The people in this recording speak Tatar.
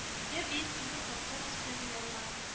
Йә биек тимер капка төсенә буялган